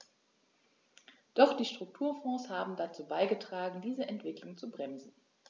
Doch die Strukturfonds haben dazu beigetragen, diese Entwicklung zu bremsen.